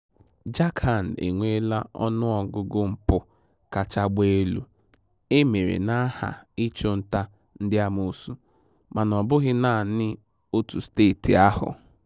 Jharkhand enweela ọnụọgụgụ mpụ kacha gba elu e mere n'aha ịchụnta ndị amoosu mana ọbụghị naanị otu steeti ahụ.